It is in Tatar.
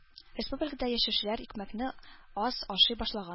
Республикада яшәүчеләр икмәкне аз ашый башлаган